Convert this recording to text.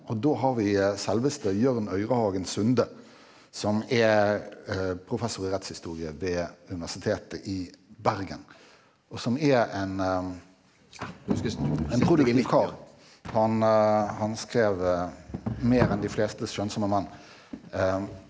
og da har vi selveste Jørn Øyrehagen Sunde som er professor i rettshistorie ved Universitetet i Bergen og som er en en han han skrev mer enn de fleste skjønnsomme menn .